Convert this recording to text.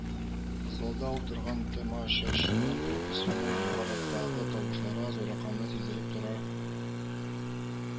Залда утырган тамашачының профессиональ югарылыктагы тавышларга зарыкканы сизелеп тора